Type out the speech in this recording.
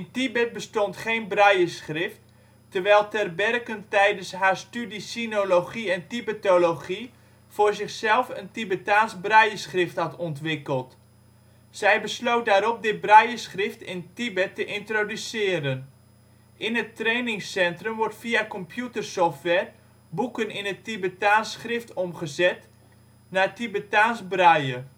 Tibet bestond geen brailleschrift, terwijl Terberken tijdens haar studie sinologie en tibetologie voor zichzelf een Tibetaans brailleschrift had ontwikkeld. Zij besloot daarop dit brailleschrift in Tibet te introduceren. In het trainingscentrum wordt via computersoftware boeken in het Tibetaans schrift omgezet naar Tibetaans braille